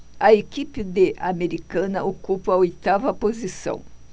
a equipe de americana ocupa a oitava posição